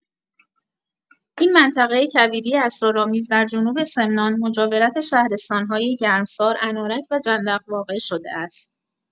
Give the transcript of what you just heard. این منطقه کویری اسرارآمیز در جنوب سمنان، مجاورت شهرستان‌های گرمسار، انارک و جندق واقع شده است.